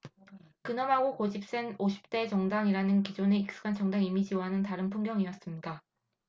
근엄하고 고집센 오십 대 정당이라는 기존의 익숙한 정당 이미지와는 다른 풍경이었습니다